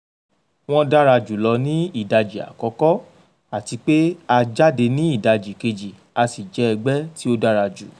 Wọ́n dára jùlọ ní ìdajì àkọ́kọ́ àti pé a jáde ní ìdajì kejì asì jẹ́ ẹgbẹ́ tí ó dára jù.